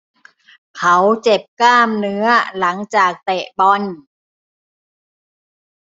เขาเจ็บกล้ามเนื้อหลังจากเตะบอล